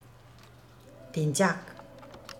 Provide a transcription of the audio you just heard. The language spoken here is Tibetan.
བདེ འཇགས